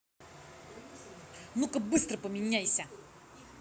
ну ка быстро поменяйся